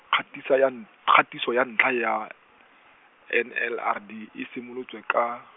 kgatisa ya n-, kgatiso ya, ntlha ya N L R D e simolotse ka.